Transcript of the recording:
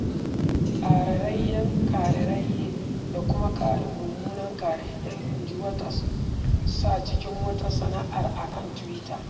Ƙarerayi, ƙarerayi, da kuma ƙarin munanan ƙarerayi, inji Waters sa cikin wata sanarwa a kan Twitter.